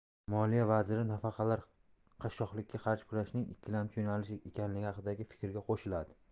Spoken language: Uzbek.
moliya vaziri nafaqalar qashshoqlikka qarshi kurashning ikkilamchi yo'nalishi ekanligi haqidagi fikrga qo'shiladi